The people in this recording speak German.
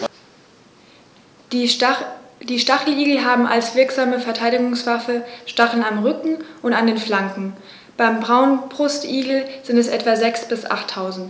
Die Stacheligel haben als wirksame Verteidigungswaffe Stacheln am Rücken und an den Flanken (beim Braunbrustigel sind es etwa sechs- bis achttausend).